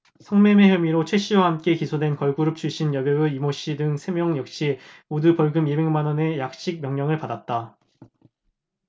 성매매 혐의로 최씨와 함께 기소된 걸그룹 출신의 여배우 이모씨 등 세 명 역시 모두 벌금 이백 만원의 약식명령을 받았다